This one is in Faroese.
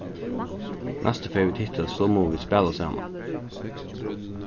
næstu ferð vit hittast so mugu vit spæla saman